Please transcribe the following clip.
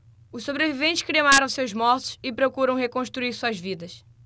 os sobreviventes cremaram seus mortos e procuram reconstruir suas vidas